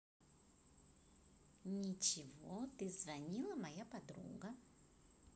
ничего ты звонила моя подруга